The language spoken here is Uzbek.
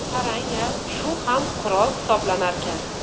qarang a shu ham qurol hisoblanarkan